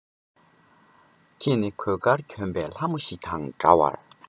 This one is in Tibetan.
ཁྱེད ནི གོས དཀར གྱོན པའི ལྷ མོ ཞིག དང འདྲ བར